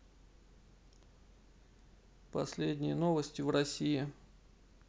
последние новости в россии